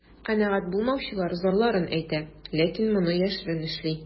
Канәгать булмаучылар зарларын әйтә, ләкин моны яшерен эшли.